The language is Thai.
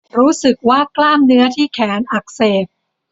รู้สึกว่ากล้ามเนื้อที่แขนอักเสบ